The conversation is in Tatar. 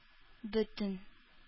Бөтен